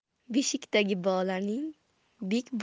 beshikdagi bolaning bek